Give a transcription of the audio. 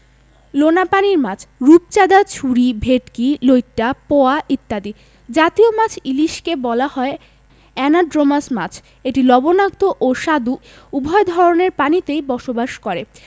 লোনাপানির মাছ রূপচাঁদা ছুরি ভেটকি লইট্টা পোয়া ইত্যাদি জাতীয় মাছ ইলিশকে বলা হয় অ্যানাড্রোমাস মাছ এটি লবণাক্ত ও স্বাদু উভয় ধরনের পানিতেই বসবাস করে